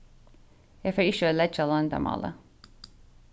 eg fari ikki at oyðileggja loyndarmálið